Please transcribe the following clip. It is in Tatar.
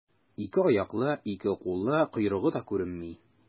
Ике аяклы, ике куллы, койрыгы да күренми.